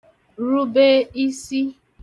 rube isi